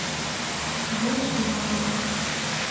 зашла